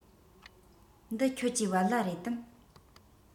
འདི ཁྱོད ཀྱི བལ ལྭ རེད དམ